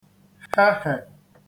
hehè